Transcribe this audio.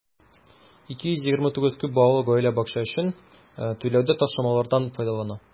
229 күп балалы гаилә бакча өчен түләүдә ташламалардан файдалана.